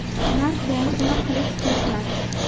mard boshini qilich kesmas